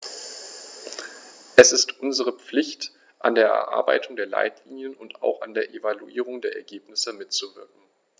Es ist unsere Pflicht, an der Erarbeitung der Leitlinien und auch an der Evaluierung der Ergebnisse mitzuwirken.